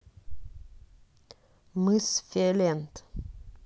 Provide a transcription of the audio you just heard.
мыс фиолент